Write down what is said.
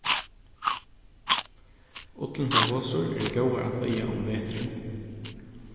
ullintar hosur eru góðar at eiga um veturin